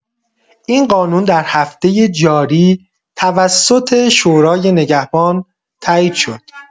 این قانون در هفته جاری توسط شورای نگهبان تایید شد.